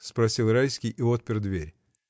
— спросил Райский и отпер дверь.